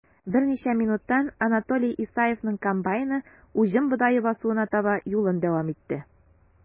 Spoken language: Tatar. Берничә минуттан Анатолий Исаевның комбайны уҗым бодае басуына таба юлын дәвам итте.